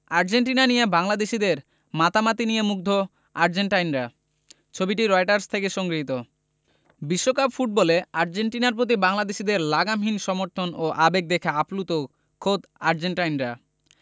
Argentina নিয়ে বাংলাদেশিদের মাতামাতি নিয়ে মুগ্ধ আর্জেন্টাইনরা ছবিটি রয়টার্স থেকে সংগৃহীত বিশ্বকাপ ফুটবলে আর্জেন্টিনার প্রতি বাংলাদেশিদের লাগামহীন সমর্থন ও আবেগ দেখে আপ্লুত খোদ আর্জেন্টাইনরাই